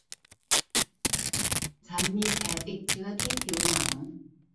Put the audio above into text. ฉันมีแผลติดเชื้อที่ผิวหนัง